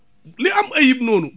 li am ayib noonu